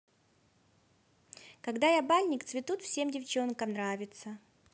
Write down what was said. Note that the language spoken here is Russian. когда я бальник цветут всем девчонкам нравится